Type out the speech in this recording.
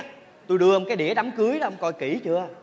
tui đưa ông cái đĩa đám cưới á ông coi kĩ chưa